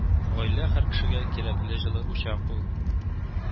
Гаилә һәр кешегә кирәкле җылы учак ул